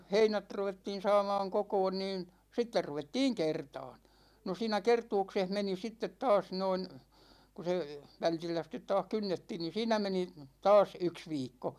heinät ruvettiin saamaan kokoon niin sitten ruvettiin kertaamaan no siinä kertauksessa meni sitten taas noin kun se vältillä sitten taas kynnettiin niin siinä meni taas yksi viikko